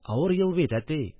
– авыр ел бит, әти